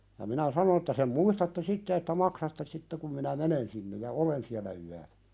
ja minä sanon että sen muistatte sitten että maksatte sitten kun minä menen sinne ja olen siellä yön